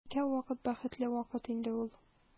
Икәү вакыт бәхетле вакыт инде ул.